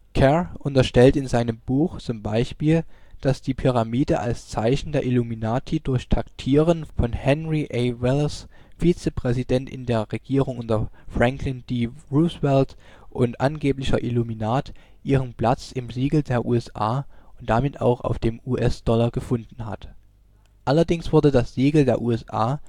Carr unterstellt in seinem Buch z. B., dass die Pyramide als Zeichen der Illuminati durch Taktieren von Henry A. Wallace (* 1888), Vizepräsident in der Regierung unter Franklin D. Roosevelt und angeblicher Illuminat, ihren Platz im Siegel der USA und damit auch auf dem US-Dollar gefunden hat. Allerdings wurde das Siegel der USA